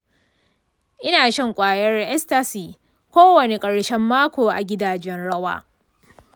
ina shan ƙwayar ecstasy kowane ƙarshen mako a gidajen rawa.